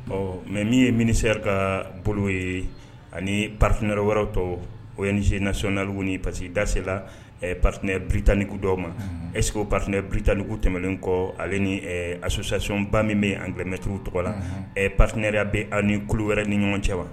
Ɔ mɛ min ye minisɛri ka bolo ye ani paritiina wɛrɛw tɔ o yesin nasionnalug ni parisi dasela paritiina bianiku dɔw ma eso paritiina biani tɛmɛnen kɔ ale ni asusasionba min bɛ an bɛmɛtigiw tɔgɔ la ɛ paritiinareya bɛ ani kolo wɛrɛ ni ɲɔgɔn cɛ wa